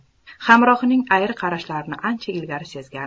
hamrohining ayri qarashlarini ancha ilgari sezgan